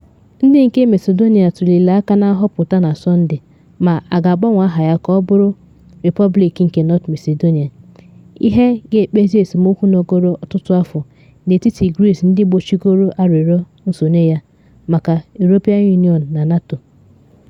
Ndị nke Macedonia tulili aka na nhọpụta na Sọnde ma a ga-agbanwe aha ya ka ọ bụrụ “Repọblik nke North Macedonia,” ihe ga-ekpezi esemokwu nọgoro ọtụtụ afọ n’etiti Greece ndị gbochigoro arịrịọ nsonye ya maka European Union na NATO.